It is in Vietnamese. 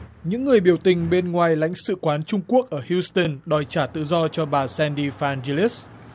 những người biểu tình bên ngoài lãnh sự quán trung quốc ở hiu tưn đòi trả tự do cho bà xen đi phan di lứt